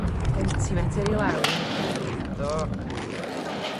gentimetr i lawr yn y pridd yndo?